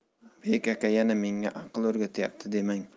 bek aka yana menga aql o'rgatyapti demang